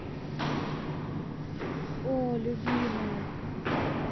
о любимая